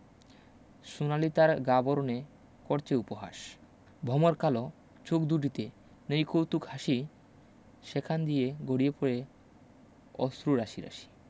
সুনালি তার গা বরণে করছে উপহাস ভমর কালো চোখ দুটিতে নেই কৌতুক হাসি সেখান দিয়ে গড়িয়ে পড়ে অশ্রু রাশি রাশি